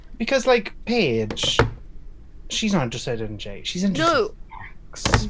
Because, like, Paige, she's not interested in Jay. She's interested in Jaques.